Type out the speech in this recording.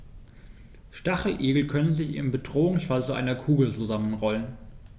Stacheligel können sich im Bedrohungsfall zu einer Kugel zusammenrollen.